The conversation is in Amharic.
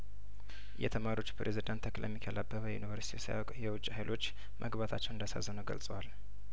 የተማሪዎቹ ፕሬዝዳንት ተክለሚካኤል አበበ ዩኒቨርስቲው ሳያውቅ የውጭ ሀይሎች መግባባታቸው እንዳሳዘነው ገልጿል